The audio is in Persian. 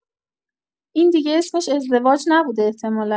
این دیگه اسمش ازدواج نبوده احتمالا